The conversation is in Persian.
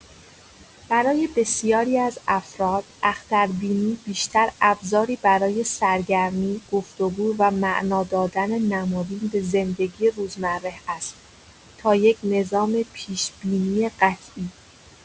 برای بسیاری از افراد، اختربینی بیشتر ابزاری برای سرگرمی، گفت‌وگو و معنا دادن نمادین به زندگی روزمره است تا یک نظام پیش‌بینی قطعی.